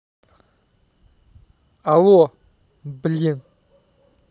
алло блин